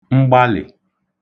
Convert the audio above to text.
mgbalị̀